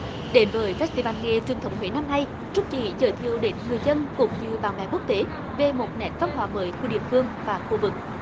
đến với phét ti van nghề truyền thống huế năm nay trúc chỉ giới thiệu đến người dân cũng như bạn bè quốc tế về một nét khắc họa mới của địa phương và khu vực